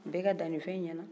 u bɛɛ ka dannifɛn ɲɛna